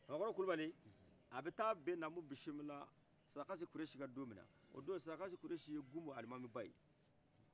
cɛkɔrɔ kulibali a bɛ taa bin naamubisimila surakasi kuresi kan don minna o don surakasi kulibali ye gum alimamiba ye